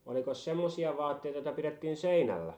olikos semmoisia vaatteita jota pidettiin seinällä